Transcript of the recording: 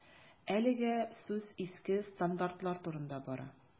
Әлегә сүз иске стандартлар турында бара.